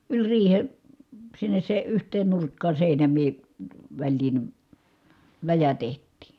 yli riihen sinne se yhteen nurkkaan seinämien väliin läjä tehtiin